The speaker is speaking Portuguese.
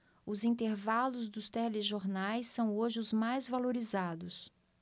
os intervalos dos telejornais são hoje os mais valorizados